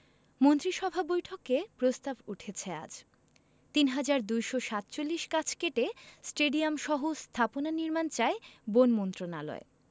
মন্ত্রিসভা বৈঠকে প্রস্তাব উঠেছে আজ ৩২৪৭ গাছ কেটে স্টেডিয়ামসহ স্থাপনা নির্মাণ চায় বন মন্ত্রণালয়